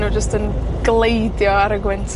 Ma' nw jyst yn gleidio ar y gwynt.